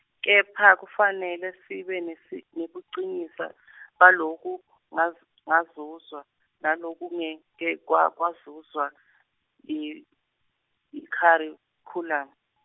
kepha kufanele sibe nesi- nebucinisa , balokungaz- -ngazuzwa nalokungekekwa- -kwazuzwa yi, yikharikhulamu.